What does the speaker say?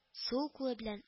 Сул кулы белән